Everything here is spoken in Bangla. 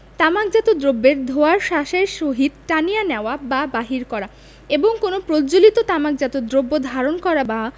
তামাকজাত দ্রব্যের ধোঁয়া শ্বাসের সহিত টানিয়া নেওয়া বা বাহির করা এবং কোন প্রজ্বলিত তামাকজাত দ্রব্য ধারণ করা বা